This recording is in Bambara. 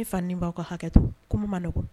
Ne fa ni ba aw ka hakɛ to ko ninnu ma nɔgɔ.